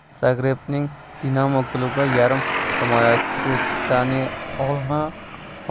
zagrebning dinamo klubi yarim himoyachisi dani